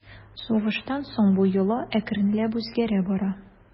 Сугыштан соң бу йола әкренләп үзгәрә бара.